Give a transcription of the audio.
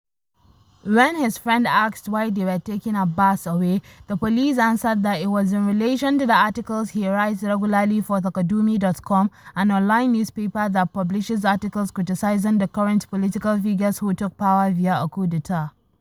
When his friend asked why they were taking Abbass away, the police answered that in was in relation to the articles he writes regularly for Taqadoumy.com, an online newspaper that publishes articles criticizing the current political figures who took power via a coup d'etat.